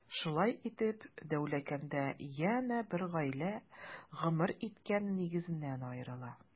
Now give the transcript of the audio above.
Шулай итеп, Дәүләкәндә янә бер гаилә гомер иткән нигезеннән аерыла.